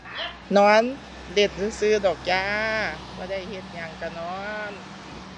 นอนเล่นซื่อซื่อดอกจ้า บ่ได้เฮ็ดหยังก็นอน